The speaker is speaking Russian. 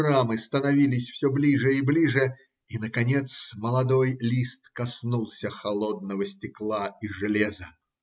Рамы становились все ближе и ближе, и наконец молодой лист коснулся холодного стекла и железа.